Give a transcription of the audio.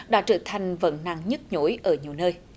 đã trở thành vấn nạn nhức nhối ở nhiều nơi